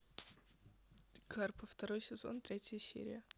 карпов второй сезон третья серия